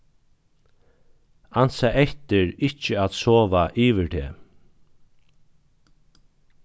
ansa eftir ikki at sova yvir teg